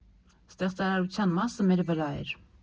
Ստեղծարարության մասը մեր վրա էր։